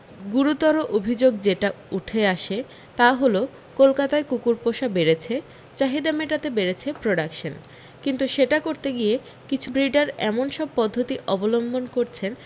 গুরুতর অভি্যোগ যেটা উঠে আসে তা হল কলকাতায় কুকুর পোষা বেড়েছে চাহিদা মেটাতে বেড়েছে প্রোডাকশন কিন্তু সেটা করতে গিয়ে কিছু ব্রিডার এমন সব পদ্ধতি অবলম্বন করছেন